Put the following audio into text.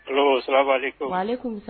Allo salamalekum walekum sa